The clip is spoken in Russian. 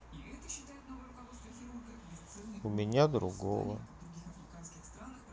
у меня другого